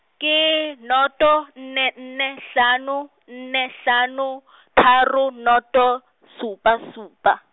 ke, noto nne nne hlano, nne hlano , tharo, noto, supa supa.